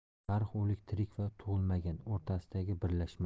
tarix o'lik tirik va tug'ilmagan o'rtasidagi birlashma